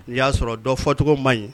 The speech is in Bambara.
I y'a sɔrɔ dɔn fɔcogo man ɲi